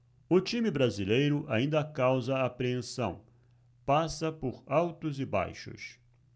o time brasileiro ainda causa apreensão passa por altos e baixos